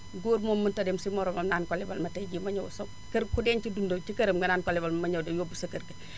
góor moom mënta dem si moromam naan ko lebal ma tey jii ma ñëw sa kër ku denc dund ci këram nga naan ko lebal ma ñëw yóbbu sa kër ga